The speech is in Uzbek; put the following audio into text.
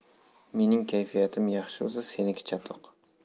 mening kayfiyatim yaxshi bo'lsa seniki chatoq